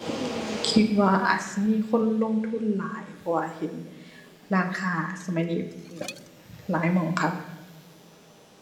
คิดว่าอาจสิมีคนลงทุนหลาย เพราะว่าเห็นร้านค้าสมัยนี้เปิดหลายหม้องคัก